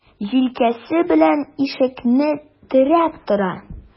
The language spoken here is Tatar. Җилкәсе белән ишекне терәп тора.